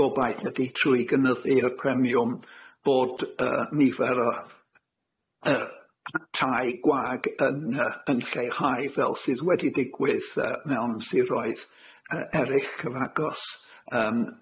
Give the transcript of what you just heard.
gobaith ydi trwy gynyddu yr premiwm bod yy nifer o yy tai gwag yn yy yn lleihau fel sydd wedi digwydd yy mewn siroedd yy erill cyfagos yym